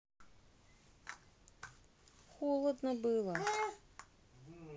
холодно было